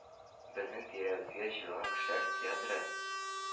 Безнең тирәбезгә җыелган кешеләр театры.